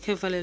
d' accord